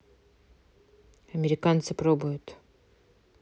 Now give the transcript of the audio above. американцы пробуют